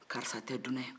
karisa tɛ dunan ye